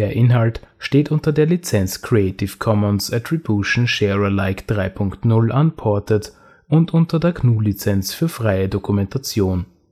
Inhalt steht unter der Lizenz Creative Commons Attribution Share Alike 3 Punkt 0 Unported und unter der GNU Lizenz für freie Dokumentation